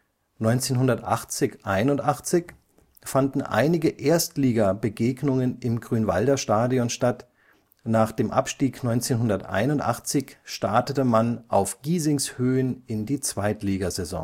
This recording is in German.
1980 / 81 fanden einige Erstligabegegnungen im Grünwalder Stadion statt, nach dem Abstieg 1981 startete man auf Giesings Höhen in die Zweitligasaison